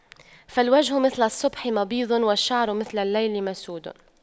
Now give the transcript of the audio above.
فالوجه مثل الصبح مبيض والشعر مثل الليل مسود